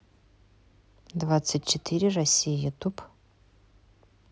двадцать четыре россия ютуб